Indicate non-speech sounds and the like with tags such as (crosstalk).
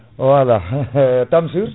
voilà (laughs) Tamsir